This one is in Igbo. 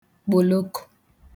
kpòlokò